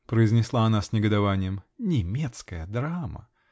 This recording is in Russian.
-- произнесла она с негодованием, -- немецкая драма.